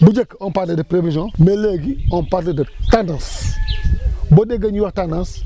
bu njëkk on parlait de prévision mais léegi on parle de tendance boo déggee ñuy wax tendance